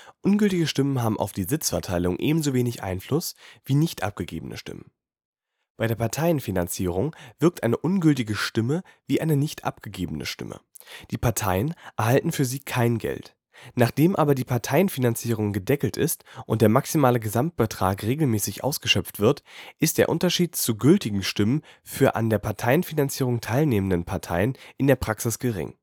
Ungültige Stimmen haben auf die Sitzverteilung ebenso wenig Einfluss wie nicht abgegebene Stimmen. Bei der Parteienfinanzierung wirkt eine ungültige Stimme wie eine nicht abgegebene Stimme: Die Parteien erhalten für sie kein Geld. Nachdem aber die Parteienfinanzierung gedeckelt ist und der maximale Gesamtbetrag regelmäßig ausgeschöpft wird, ist der Unterschied zu gültigen Stimmen für an der Parteienfinanzierung teilnehmende Parteien in der Praxis gering